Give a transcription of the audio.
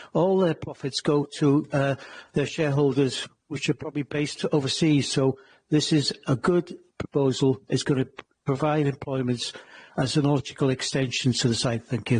All their profits go to err their shareholders which are probably based overseas, so this is a good proposal, it's gonna p- provide employment as a logical extension to the site. Thank you.